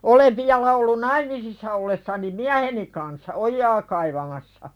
olen vielä ollut naimisissa ollessani mieheni kanssa ojaa kaivamassa